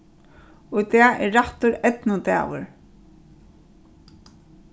í dag er rættur eydnudagur